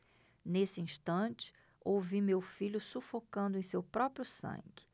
nesse instante ouvi meu filho sufocando em seu próprio sangue